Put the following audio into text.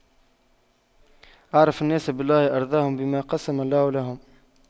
أعرف الناس بالله أرضاهم بما قسم الله له